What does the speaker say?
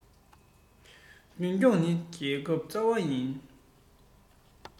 རྒྱུན འཁྱོངས ནི རྒྱལ ཁའི རྩ བ ཡིན